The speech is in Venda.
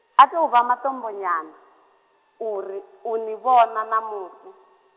a tou vha matombo nyana, uri, uni vhona ṋamusi.